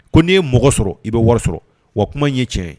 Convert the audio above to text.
Ko n'i ye mɔgɔ sɔrɔ i bɛ wari sɔrɔ wa kuma ye tiɲɛ ye